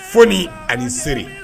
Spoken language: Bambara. F ani se